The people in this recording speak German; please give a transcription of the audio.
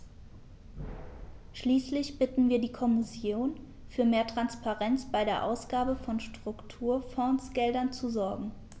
Schließlich bitten wir die Kommission, für mehr Transparenz bei der Ausgabe von Strukturfondsgeldern zu sorgen.